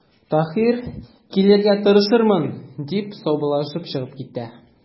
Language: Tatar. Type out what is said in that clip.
Таһир:– Килергә тырышырмын,– дип, саубуллашып чыгып китә.